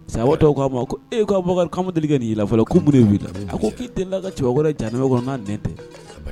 Satɔ k'a ma e ka bakarijan deli ka' i fɔlɔ kuurue wili a ko k'i tɛ la ka cɛba janmɛkɔrɔ n'a n tɛ